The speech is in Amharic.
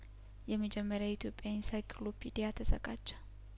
የመጀመሪያው የኢትዮጵያ ኢንሳይክሎፒዲያ ተዘጋጀ